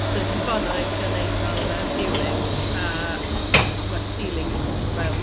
So wnes i ffono i trio wneud fel, yym, viewing a ma'r ceiling 'di cwmpo mewn.